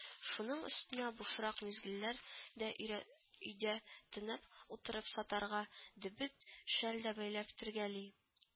Шуның өстенә бушрак мизгелләр дә өйрә өйдә тынып утырып сатарга дебет шәл дә бәйләптергәли